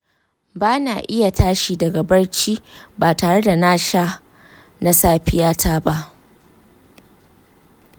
ba na iya tashi daga barci ba tare da na sha na safiyata ba.